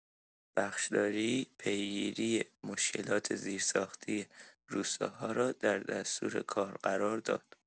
بخشداری پیگیری مشکلات زیرساختی روستاها را در دستورکار قرار داد.